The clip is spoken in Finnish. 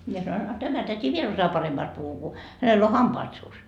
minä sanoin a tämä täti vielä osaa paremmasti puhua kun hänellä on hampaat suussa